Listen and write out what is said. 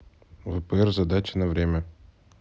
впр задача на время